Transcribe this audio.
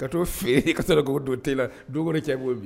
Ka t'o fee e ka sɔrɔ k'o don te la donko don cɛ b'o mi